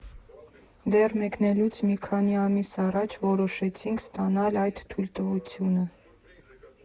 Դեռ մեկնելուց մի քանի ամիս առաջ որոշեցինք ստանալ այդ թույլատվությունը։